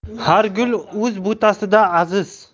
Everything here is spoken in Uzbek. har gul o'z butasida aziz